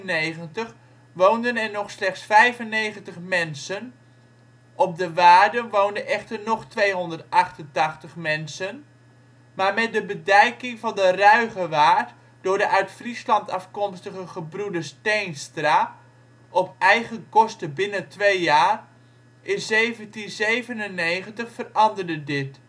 1795 woonden er nog slechts 95 mensen (op ' de Waarden ' woonden echter nog 288 mensen), maar met de bedijking van de Ruigewaard door de uit Friesland afkomstige gebroeders Teenstra (op eigen kosten binnen twee jaar) in 1797 veranderde dit